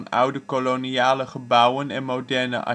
oude koloniale gebouwen en moderne